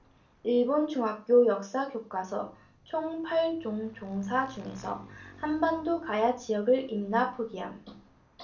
일본 중학교 역사교과서 총 팔 종 중 사 종에서 한반도 가야지역을 임나 표기함